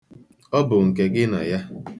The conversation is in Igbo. Ọ bụ nke gị na ya.